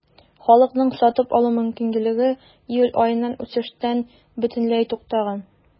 Халыкның сатып алу мөмкинлеге июль аеннан үсештән бөтенләй туктаган.